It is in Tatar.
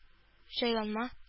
Җайланма